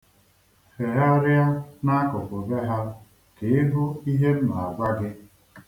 Hegharịa n'akụkụ be ha ka ị hụ ihe m na-agwa gị.